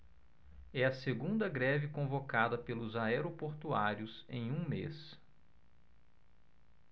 é a segunda greve convocada pelos aeroportuários em um mês